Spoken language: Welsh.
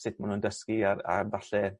sut ma' nw'n dysgu a a 'falle